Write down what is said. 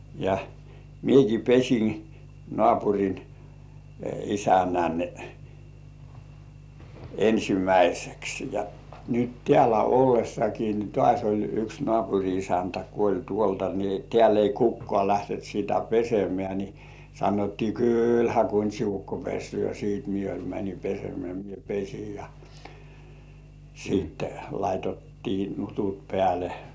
ja minäkin pesin naapurin isännän ensimmäiseksi ja nyt täällä ollessakin niin taas oli yksi naapurin isäntä kuollut tuolta niin täällä ei kukaan lähtenyt sitä pesemään niin sanottiin kyllähän Kuntsin ukko pesee sitten minä - menin pesemään minä pesin ja sitten laitettiin nutut päälle